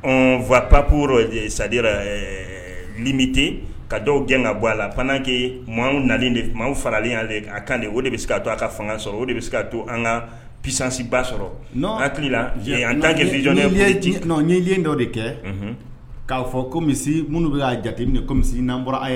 Ɔfawa pap sadi limite ka dɔw gɛn ka bɔ a la pan' kɛ de farali y'ale ka kan o de bɛ se ka to an ka fanga sɔrɔ o de bɛ se ka' to an ka psansiba sɔrɔ an tan yelen dɔ de kɛ k'a fɔ komi minnu y'a jate kɔmimi nan bɔra an